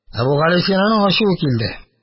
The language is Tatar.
Әбүгалисинаның ачуы килде.